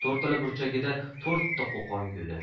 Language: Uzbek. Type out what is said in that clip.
to'rttala burchagida to'rtta qo'qonguli